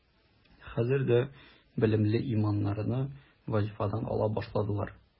Хәзер дә белемле имамнарны вазифадан ала башладылар.